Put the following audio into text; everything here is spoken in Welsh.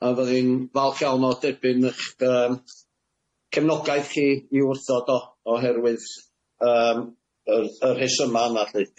A fyddi'n falch iawn o derbyn 'ych yym cefnogaeth chi i wrthod o oherwydd yym y y rhesyma yna lly.